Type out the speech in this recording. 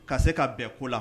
Ka se ka bɛn ko la